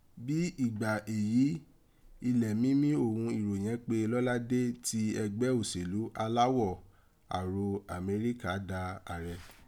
Bi igbà èyí ilẹ mìmì oghun iroyẹ̀n pé Lọ́ládé ti ẹgbẹ oselu Aláwọ̀ Aró Amerika dà aarẹ.